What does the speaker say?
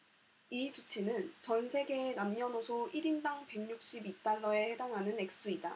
이 수치는 전 세계의 남녀노소 일 인당 백 육십 이 달러에 해당하는 액수이다